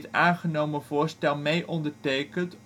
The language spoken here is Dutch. aangenomen voorstel meeondertekent